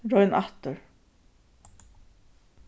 royn aftur